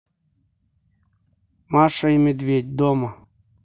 маша и медведь дома